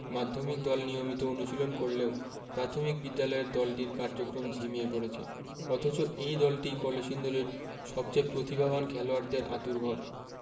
মাধ্যমিক দল নিয়মিত অনুশীলন করলেও প্রাথমিক বিদ্যালয়ের দলটির কার্যক্রম ঝিমিয়ে পড়েছে অথচ এই দলটিই কলসিন্দুরের সবচেয়ে প্রতিভাবান খেলোয়াড়দের আঁতুড়ঘর